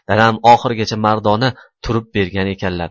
dadam oxirigacha mardona turib bergan ekanlar